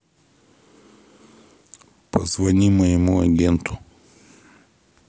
позвони моему агенту